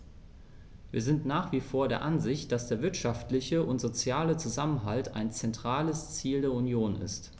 Wir sind nach wie vor der Ansicht, dass der wirtschaftliche und soziale Zusammenhalt ein zentrales Ziel der Union ist.